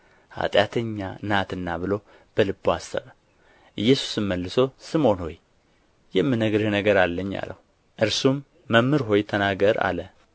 ኃጢአተኛ ናትና ብሎ በልቡ አሰበ ኢየሱስም መልሶ ስምዖን ሆይ የምነግርህ ነገር አለኝ አለው እርሱም መምህር ሆይ ተናገር አለ